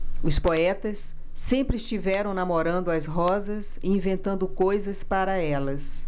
os poetas sempre estiveram namorando as rosas e inventando coisas para elas